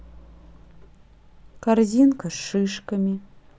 корзинка с шишками